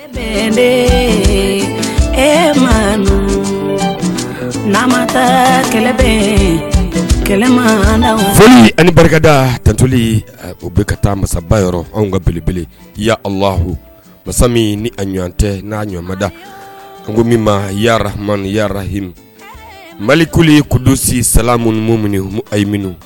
Ema na ma kɛlɛma foli ani barikada ttuli o bɛ ka taa masaba yɔrɔ anw ka beleb ya a wah walasasa min ni a ɲɔgɔn tɛ n'a ɲmada anko min mama yarahimi mali ku kodosi samuumum minɛ a minnu